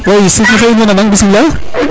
oui serigne oxe in way nanaŋ bismila